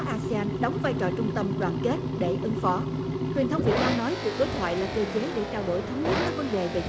a si an đóng vai trò trung tâm đoàn kết để ứng phó truyền thông việt nam nói cuộc đối thoại là cơ chế để trao đổi thống nhất các vấn đề về